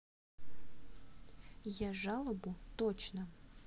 я жалобу точно